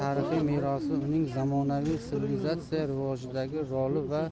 merosi uning zamonaviy sivilizatsiya rivojidagi roli va